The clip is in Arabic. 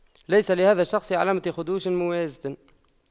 ليس لهذا الشخص علامة خدوش مميزة